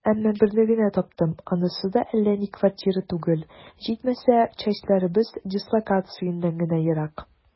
Әмма берне генә таптым, анысы да әллә ни квартира түгел, җитмәсә, частьләребез дислокациясеннән дә ерак.